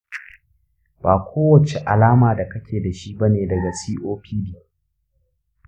ba kowacce alama da kake dashi bane daga copd.